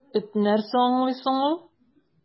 Эт нәрсә аңлый соң ул!